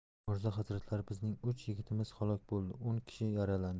mirzo hazratlari bizning uch yigitimiz halok bo'ldi o'n kishi yaralandi